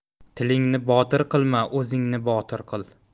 tilingni botir qilma o'zingni botir qil